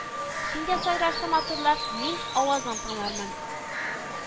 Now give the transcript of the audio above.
Син дә сайрарсың матурлап, мин авазың тыңлармын